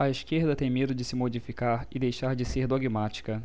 a esquerda tem medo de se modificar e deixar de ser dogmática